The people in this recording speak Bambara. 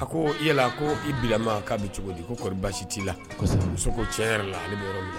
A ko yala ko i bilama k'a bɛ cogo di koɔri baasi t'i la muso ko cɛ yɛrɛ la ale